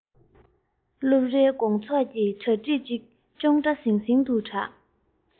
སློབ རའི དགོང ཚོགས ཀྱི གྲ སྒྲིག གི ཅོང སྒྲ སིང སིང དུ གྲགས